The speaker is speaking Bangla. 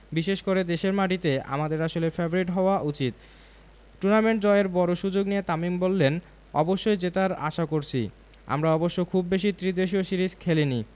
বিশেষ করে দেশের মাটিতে আমাদের আসলে ফেবারিট হওয়া উচিত টুর্নামেন্ট জয়ের বড় সুযোগ নিয়ে তামিম বললেন অবশ্যই জেতার আশা করছি আমরা অবশ্য খুব বেশি ত্রিদেশীয় সিরিজ খেলেনি